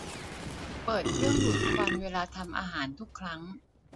เปิดเครื่องดูดควันเวลาทำอาหารทุกครั้ง